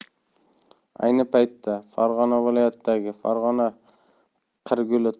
ayni paytda farg'ona viloyatidagi farg'ona qirguli